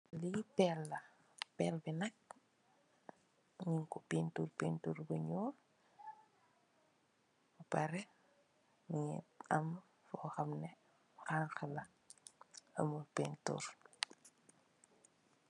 Li perr la perr bi nak nyung ko painturr painturr bu nuul mba bareh mogi am lu hamnex amut painturr.